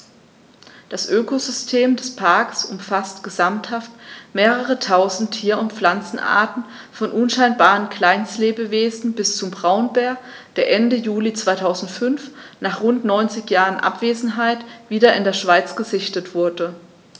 Das Ökosystem des Parks umfasst gesamthaft mehrere tausend Tier- und Pflanzenarten, von unscheinbaren Kleinstlebewesen bis zum Braunbär, der Ende Juli 2005, nach rund 90 Jahren Abwesenheit, wieder in der Schweiz gesichtet wurde.